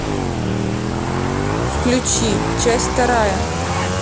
включи часть вторая